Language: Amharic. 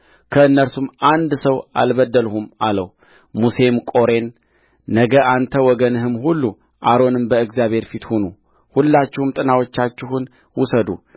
ከእነርሱም አንድ ሰው አልበደልሁም አለውሙሴም ቆሬን ነገ አንተ ወገንህም ሁሉ አሮንም በእግዚአብሔር ፊት ሁኑሁላችሁም ጥናዎቻችሁን ውሰዱ